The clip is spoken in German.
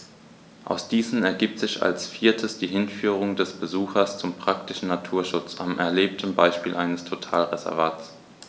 Aus diesen ergibt sich als viertes die Hinführung des Besuchers zum praktischen Naturschutz am erlebten Beispiel eines Totalreservats.